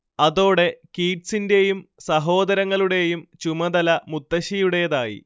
അതോടെ കീറ്റ്സിന്റേയും സഹോദരങ്ങളുടേയും ചുമതല മുത്തശ്ശിയുടേതായി